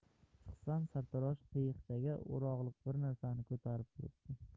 chiqsam sartarosh qiyiqchaga o'rog'liq bir narsani ko'tarib turibdi